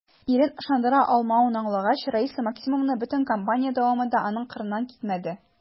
Ирен ышандыра алмавын аңлагач, Раиса Максимовна бөтен кампания дәвамында аның кырыннан китмәде.